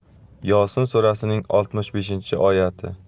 yosin surasining oltmish beshinchi oyati